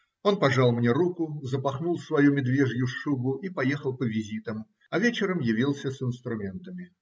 Он пожал мне руку, запахнул свою медвежью шубу и поехал по визитам, а вечером явился с инструментами.